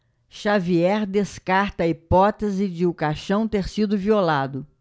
xavier descarta a hipótese de o caixão ter sido violado